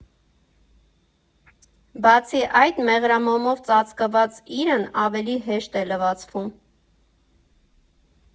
Բացի այդ, մեղրամոմով ծածկված իրն ավելի հեշտ է լվացվում։